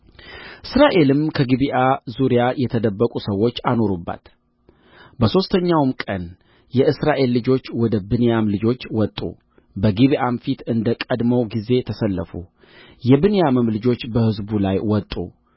እስራኤልም በጊብዓ ዙሪያ የተደበቁ ሰዎች አኖሩባት በሦስተኛውም ቀን የእስራኤል ልጆች ወደ ብንያም ልጆች ወጡ በጊብዓም ፊት እንደ ቀድሞው ጊዜ ተሰለፉ የብንያምም ልጆች በሕዝቡ ላይ ወጡ